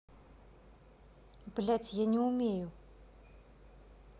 блядь я не умею